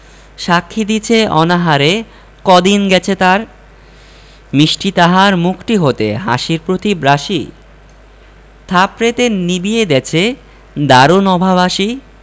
সাক্ষী দিছে অনাহারে কদিন গেছে তার মিষ্টি তাহার মুখটি হতে হাসির প্রদীপ রাশি থাপড়েতে নিবিয়ে দেছে দারুণ অভাব আসি